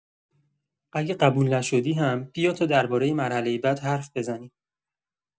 اگه قبول نشدی هم بیا تا درباره مرحله بعد حرف بزنیم.